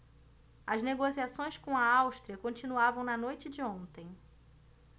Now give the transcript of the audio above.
as negociações com a áustria continuavam na noite de ontem